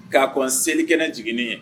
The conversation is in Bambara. Ka kɔn selikɛnɛ jiginni ɲɛ.